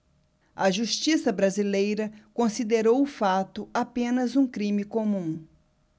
a justiça brasileira considerou o fato apenas um crime comum